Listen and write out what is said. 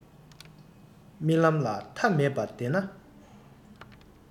རྨི ལམ ལ མཐའ མེད པ བདེན ན